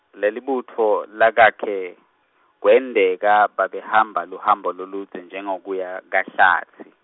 Lelibutfo, lakakhe, kwenteka, babehamba luhambo loludze njengekuya, kaHlatsi.